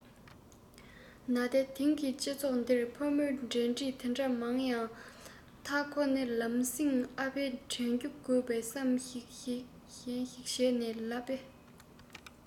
ན ཏེ དེང གི སྤྱི ཚོགས དེར ཕོ མོའི འབྲེལ འདྲིས འདི འདྲ མང ཡང མཐའ ཁོ ནི ལམ སེང ཨ ཕའི དྲན རྒྱུ དགོས པ བསམ གཞིག གཞན ཞིག བྱས ན ལབ པས